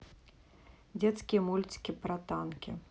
детские мультики про танки